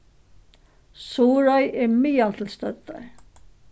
suðuroy er miðal til støddar